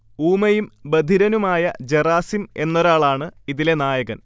ഊമയും ബധിരനുമായ ജറാസിം എന്നൊരാളാണ് ഇതിലെ നായകൻ